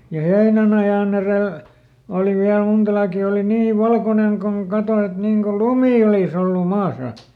ja heinänajan edellä oli vielä monta laakia oli niin valkoinen kuin kato että niin kuin lumi olisi ollut maassa